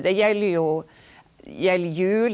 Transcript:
det gjelder jo gjelder jul.